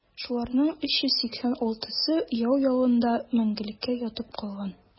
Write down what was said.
Шуларның 386-сы яу яланында мәңгелеккә ятып калган.